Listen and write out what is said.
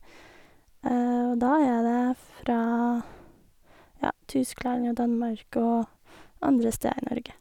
Og da er det fra, ja, Tyskland og Danmark og andre steder i Norge.